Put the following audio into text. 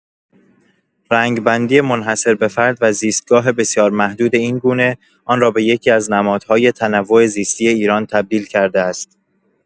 رنگ‌بندی منحصربه‌فرد و زیستگاه بسیار محدود این گونه، آن را به یکی‌از نمادهای تنوع زیستی ایران تبدیل کرده است.